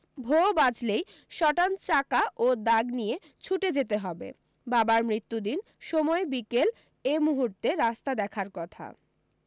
ভোঁ বাজলেই সটান চাকা ও দাগ নিয়ে ছুটে যেতে হবে বাবার মৃত্যুদিন সময় বিকেল এ মূহুর্তে রাস্তা দেখার কথা